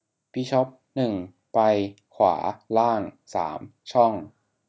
บิชอปหนึ่งไปขวาล่างสามช่อง